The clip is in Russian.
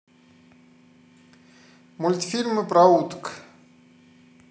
мультфильмы про уток